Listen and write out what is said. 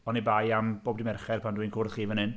O'n i bai am bob dydd Mercher pan dwi'n cwrdd chi fan hyn.